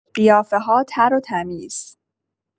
قیافه‌ها تر و تمیز